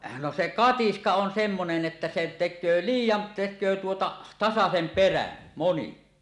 no se katiska on semmoinen että se tekee liian tekee tuota tasaisen perän moni